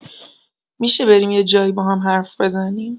می‌شه بریم یه جایی باهم حرف بزنیم؟